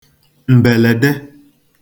m̀bèlède